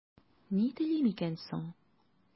Ни телим икән соң?